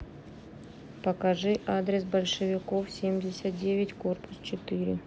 покажи адрес большевиков семьдесят девять корпус четыре